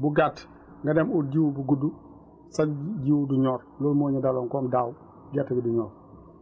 bu gàtt nga dem ut jiw bu gudd sa jiwu du ñor loolu mooñu daloon